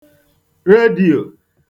redīò